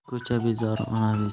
ko'cha bezori ona bezori